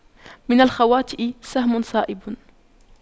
من الخواطئ سهم صائب